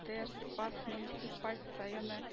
ТээР Спас муниципаль районы